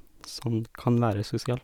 Sånn kan være sosial.